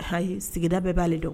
Hayi sigida bɛɛ b'ale dɔn